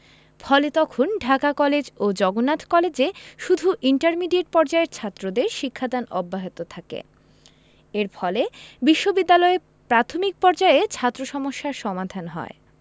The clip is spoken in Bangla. ফলে তখন ঢাকা কলেজ ও জগন্নাথ কলেজে শুধু ইন্টারমিডিয়েট পর্যায়ের ছাত্রদের শিক্ষাদান অব্যাহত থাকে এর ফলে বিশ্ববিদ্যালয়ে প্রাথমিক পর্যায়ে ছাত্র সমস্যার সমাধান হয়